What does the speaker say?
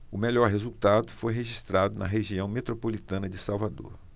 o melhor resultado foi registrado na região metropolitana de salvador